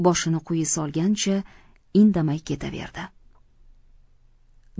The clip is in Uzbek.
boshini quyi solganicha indamay ketaverdi